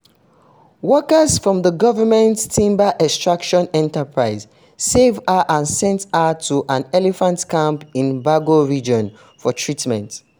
Workers from the government’s timber extraction enterprise saved her and sent her to an elephant camp in Bago Region for treatment.